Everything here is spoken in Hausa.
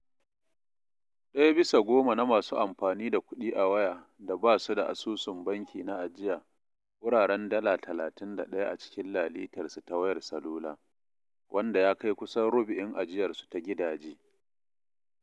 Ɗaya bisa goma na masu amfani da kuɗi a waya da ba su da asusun banki na ajiye wuraren dala 31 a cikin lalitarsu ta wayar salula, wanda ya kai kusan rubu'in ajiyarsu ta gidaje.